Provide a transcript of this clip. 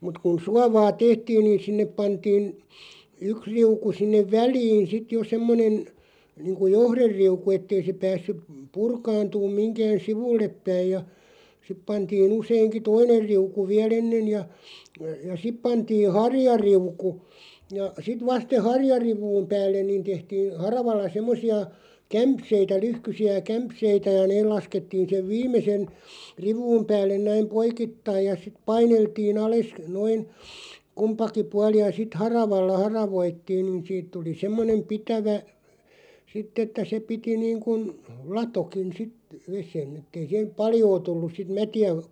mutta kun suovaa tehtiin niin sinne pantiin yksi riuku sinne väliin sitten jo semmoinen niin kuin johderiuku että ei se päässyt - purkaantunut mihinkään sivullepäin ja sitten pantiin useinkin toinen riuku vielä ennen ja ja sitten pantiin harjariuku ja sitten vasta sen harjariu'un päälle niin tehtiin haravalla semmoisia kämseitä lyhkäisiä kämseitä ja ne laskettiin sen viimeisen riu'un päälle näin poikittain ja sitten paineltiin alas noin kumpikin puoli ja sitten haravalla haravoitiin niin siitä tuli semmoinen pitävä sitten että se piti niin kuin latokin sitten veden että ei siihen paljoa tullut sitten mätiä